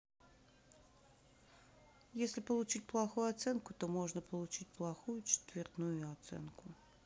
если получить плохую оценку то можно получить плохую четвертную оценку